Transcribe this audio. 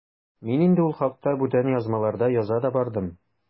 Мин инде ул хакта бүтән язмаларда яза да бардым.